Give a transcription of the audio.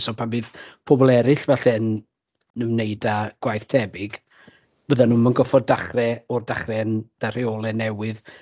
so pan fydd pobl eraill falle'n ymwneud â gwaith tebyg fyddan nhw'm yn gorfod dechrau o'r dechrau yn... 'da rheolau newydd.